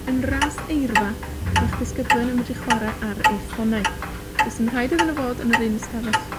yn ras eirfa ma'ch disgyblion yn medru chware ar eu ffonau. Does dim rhaid iddyn nw fod yn yr un ystafell.